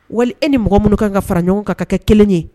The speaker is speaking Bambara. Wali e ni mɔgɔ minnu kan ka fara ɲɔgɔn kan ka kɛ kelen ye